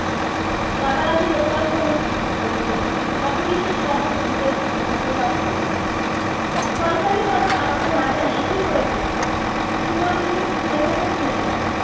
রাতারাতি লোকটার হলো কী বলুন দেখি পপি বিশ্বাস কপট উদ্বেগ প্রকাশ করলেন কলকালি হঠাত আমাকে না জানিয়ে কী করে বসলো সীমা তুমি সুলেখাকে ভুলে যাও